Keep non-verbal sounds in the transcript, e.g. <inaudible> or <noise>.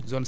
<hesitation> <hesitation>